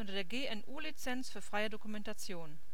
der GNU Lizenz für freie Dokumentation